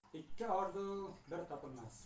ikki orzu bir topilmas